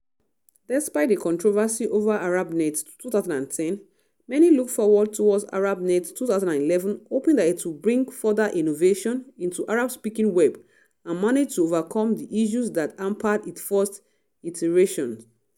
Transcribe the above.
Despite the controversy over ArabNet 2010, many look forward toward ArabNet 2011 hoping that it would bring further innovation into the Arabic-speaking web and manage to overcome the issues that hampered its first iteration.